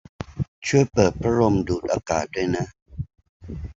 ช่วยเปิดพัดลมดูดอากาศด้วยนะ